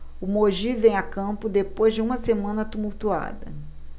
o mogi vem a campo depois de uma semana tumultuada